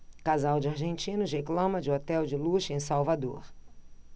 casal de argentinos reclama de hotel de luxo em salvador